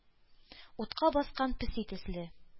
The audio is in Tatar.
Утка баскан песи төсле,